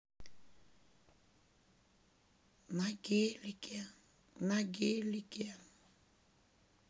на гелике на гелике